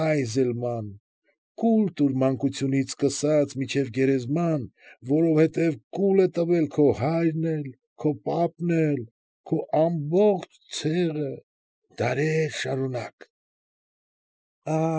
Այզելման, կուլ տուր մանկությունից սկսած մինչև գերեզման, որովհետև կուլ է տվել քո հայրն էլ, քո պապն է, քո ամբողջ ցեղը, դարե՜ր շարունակ։ ֊